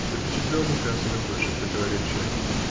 запечатлен указанным выше противоречием